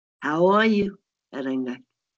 How are you? er engrhaifft?